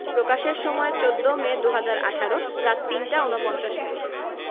প্রকাশের সময় ১৪মে ২০১৮ রাত ৩টা ৪৯ মিনিট